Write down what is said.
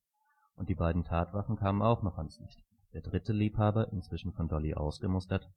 und die beiden Tatwaffen kamen auch noch ans Licht: Der dritte Liebhaber, inzwischen von Dolly ausgemustert